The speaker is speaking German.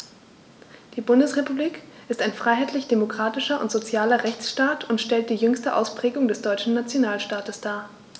Die Bundesrepublik ist ein freiheitlich-demokratischer und sozialer Rechtsstaat und stellt die jüngste Ausprägung des deutschen Nationalstaates dar.